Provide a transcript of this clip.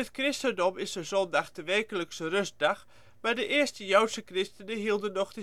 christendom is de zondag de wekelijkse rustdag. Maar de eerste Joodse christenen hielden nog